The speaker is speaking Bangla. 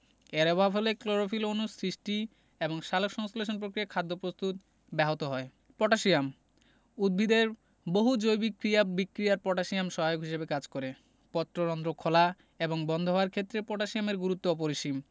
এর অভাব হলে ক্লোরোফিল অণু সৃষ্টি এবং সালোকসংশ্লেষণ প্রক্রিয়ায় খাদ্য প্রস্তুত ব্যাহত হয় পটাশিয়াম উদ্ভিদের বহু জৈবিক ক্রিয়া বিক্রিয়ায় পটাশিয়াম সহায়ক হিসেবে কাজ করে পত্ররন্ধ্র খেলা এবং বন্ধ হওয়ার ক্ষেত্রে পটাশিয়ামের গুরুত্ব অপরিসীম